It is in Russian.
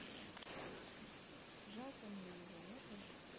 жалко мне его нету